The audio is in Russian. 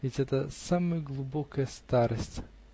ведь это самая глубокая старость.